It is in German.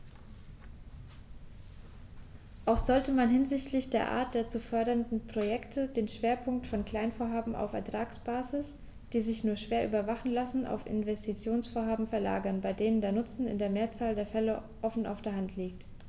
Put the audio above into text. Auch sollte man hinsichtlich der Art der zu fördernden Projekte den Schwerpunkt von Kleinvorhaben auf Ertragsbasis, die sich nur schwer überwachen lassen, auf Investitionsvorhaben verlagern, bei denen der Nutzen in der Mehrzahl der Fälle offen auf der Hand liegt.